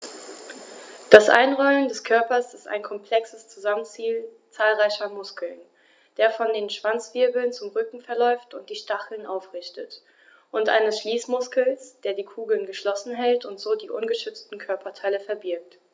Das Einrollen des Körpers ist ein komplexes Zusammenspiel zahlreicher Muskeln, der von den Schwanzwirbeln zum Rücken verläuft und die Stacheln aufrichtet, und eines Schließmuskels, der die Kugel geschlossen hält und so die ungeschützten Körperteile verbirgt.